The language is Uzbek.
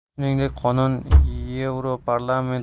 shuningdek qonun yevroparlament